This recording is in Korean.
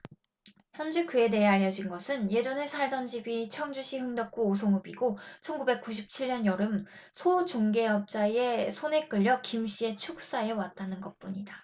현재 그에 대해 알려진 것은 예전에 살던 집이 청주시 흥덕구 오송읍이고 천 구백 구십 칠 년 여름 소 중개업자의 손에 끌려 김씨의 축사에 왔다는 것뿐이다